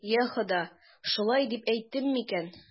Йа Хода, шулай дип әйттем микән?